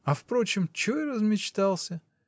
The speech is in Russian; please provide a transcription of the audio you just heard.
А впрочем, чего я размечтался?